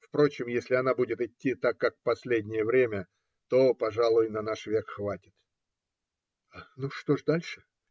Впрочем, если она будет идти так, как последнее время, то, пожалуй, на наш век хватит. - Ну, что ж дальше?